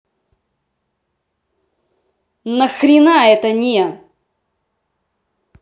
на хрена это не